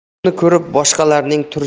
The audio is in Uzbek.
buni ko'rib boshqalarining